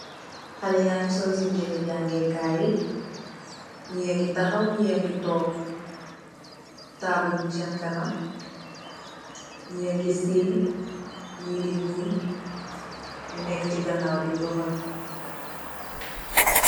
Xaleh yangi sol sen yireh jangeh Kay yi nyiyangi taxaw nyiyangi tok tabule mung sen kanam nyi yangi siny nyi di mouny nyi neksi ganaw di joxany.